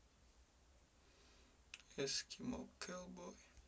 eskimo callboy